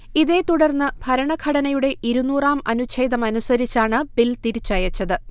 ഇതേ തുടർന്നു ഭരണഘടനയുടെ ഇരുന്നൂറാം അനുഛേദം അനുസരിച്ചാണ് ബിൽ തിരിച്ചയച്ചത്